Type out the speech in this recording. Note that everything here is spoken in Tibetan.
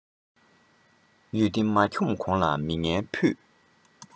ཡུལ སྡེ མ འཁྱོམས གོང ལ མི ངན ཕུད